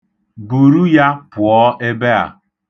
Buru ya puo ebe a.